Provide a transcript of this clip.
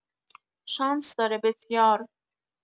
شانس داره بسیار